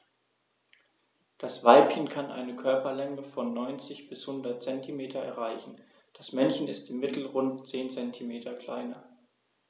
Das Weibchen kann eine Körperlänge von 90-100 cm erreichen; das Männchen ist im Mittel rund 10 cm kleiner.